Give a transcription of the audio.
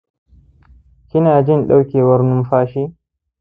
kina jin daukewar numfashi